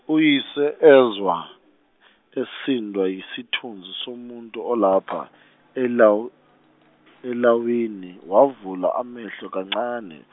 uyise ezwa, esindwa yisithunzi somuntu olapha elaw- elawini wavula amehlo kancane.